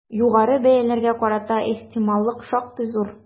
Югары бәяләргә карата ихтималлык шактый зур.